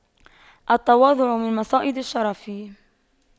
التواضع من مصائد الشرف